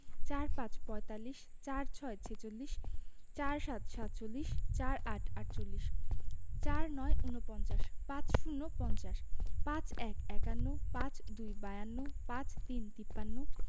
৪৫ - পঁয়তাল্লিশ ৪৬ - ছেচল্লিশ ৪৭ - সাতচল্লিশ ৪৮ -আটচল্লিশ ৪৯ – উনপঞ্চাশ ৫০ - পঞ্চাশ ৫১ – একান্ন ৫২ - বাহান্ন ৫৩ - তিপ্পান্ন